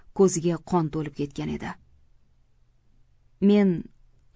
ko'ziga qon to'lib ketgan edi